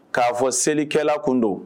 K'a fɔ selikɛla tun don